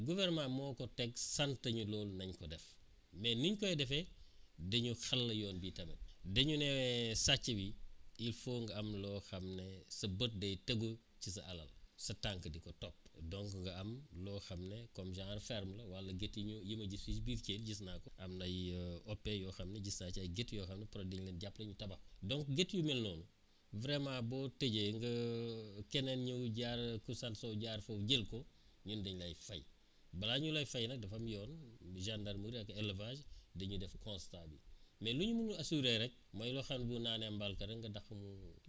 gouvernement moo ko teg sant ñu loolu nañ ko def mais niñ koy defee dañoo xàll yoon tamit dañu ne sàcc bi il faut nga am loo xam ne sa bët da day tegu ci sa alal sa tànk di ko topp donc nga am loo xam ne comme genre ferme la wala gétt yi ma yi ma gis fii si biir Thièl gis naa ko am nay OPE yoo xam ne gis naa ci ay gétt yoo xam ne peut être dañ leen jàppale ñu tabax ko donc gétt yu mel noonu vraiment boo tëjee keneen ñëw jaar ku sant Sow jaar foofu jël ko ñu dañu lay fay balaa ñu lay fay nag dafa am yoon bu gendarmerie ak élevage ddañuy def constat bi mais luñ munul assuré rek mooy loo xam ne bu naanee mbalka rek nga dàq mu